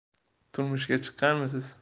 turmushga chiqqanmisiz